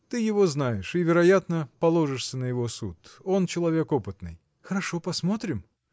Ты его знаешь и, вероятно, положишься на его суд. Он человек опытный. – Хорошо, посмотрим.